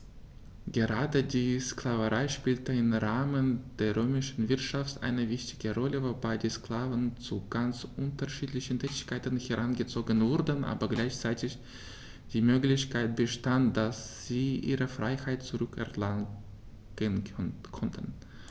Gerade die Sklaverei spielte im Rahmen der römischen Wirtschaft eine wichtige Rolle, wobei die Sklaven zu ganz unterschiedlichen Tätigkeiten herangezogen wurden, aber gleichzeitig die Möglichkeit bestand, dass sie ihre Freiheit zurück erlangen konnten.